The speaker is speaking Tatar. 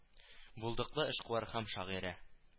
Булдыклы эшкуар һәм шагыйрә